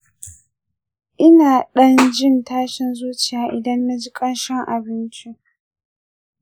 ina dan jin tashin zuciya idan naji kanshin abinci.